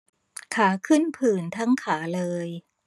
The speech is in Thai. ขาขึ้นผื่นทั้งขาเลย